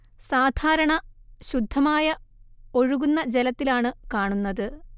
സാധാരണ ശുദ്ധമായ ഒഴുകുന്ന ജലത്തിലാണു കാണുന്നത്